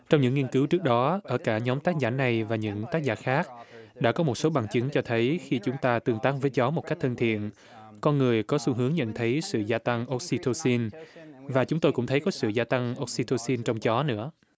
trong những nghiên cứu trước đó ở cả nhóm tác giả này và những tác giả khác đã có một số bằng chứng cho thấy khi chúng ta tương tác với chó một cách thân thiện con người có xu hướng nhận thấy sự gia tăng o xy tô xin và chúng tôi cũng thấy có sự gia tăng o xy tô xin trong chó nữa